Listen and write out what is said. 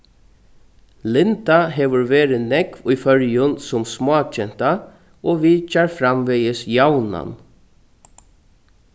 linda hevur verið nógv í føroyum sum smágenta og vitjar framvegis javnan